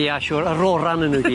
Ia siŵr yr ora 'nyn nw i gyd.